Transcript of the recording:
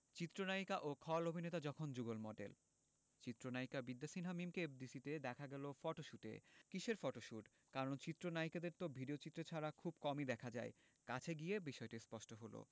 চিত্রনায়িকা ও খল অভিনেতা যখন যুগল মডেল চিত্রনায়িকা বিদ্যা সিনহা মিমকে এফডিসিতে দেখা গেল ফটোশুটে কিসের ফটোশুট কারণ চিত্রনায়িকাদের তো ভিডিওচিত্রে ছাড়া কম দেখা যায় কাছে গিয়ে বিষয়টি স্পষ্ট হলো